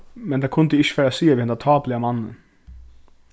men tað kundi eg ikki fara at siga við henda tápuliga mannin